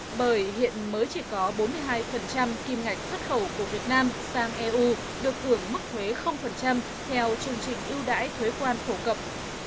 bởi hiện mới chỉ có bốn mươi hai phần trăm kim ngạch xuất khẩu của việt nam sang e u được hưởng mức thuế không phần trăm theo chương trình ưu đãi thuế quan phổ cập